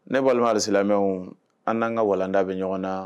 Ne walima silamɛ lamɛnmɛw an n'an ka walalanda bɛ ɲɔgɔn na